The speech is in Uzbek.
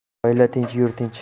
oila tinch yurt tinch